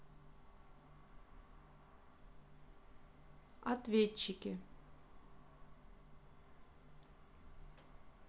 ответчики